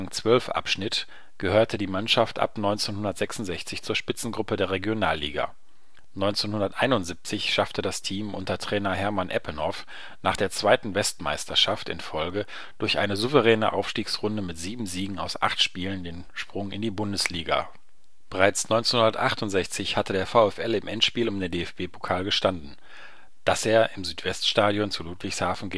zwölf abschnitt, gehörte die Mannschaft ab 1966 zur Spitzengruppe der Regionalliga. 1971 schaffte das Team unter Trainer Hermann Eppenhoff nach der zweiten Westmeisterschaft in Folge durch eine souveräne Aufstiegsrunde mit sieben Siegen aus acht Spielen den Sprung in die Bundesliga (Fußball). Bereits 1968 hatte der VfL im Endspiel um den DFB-Pokal gestanden, das er im Südweststadion zu Ludwigshafen